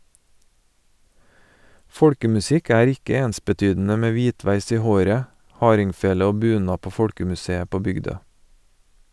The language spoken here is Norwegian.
Folkemusikk er ikke ensbetydende med hvitveis i håret , hardingfele og bunad på folkemuseet på Bygdø.